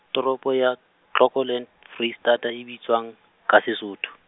toropo ya, Clocolan, Foreisetata, e bitswang, ka Sesotho?